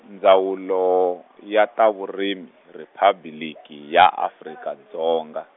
ndzawulo ya ta vurimi Riphabliki ya Afrika Dzonga.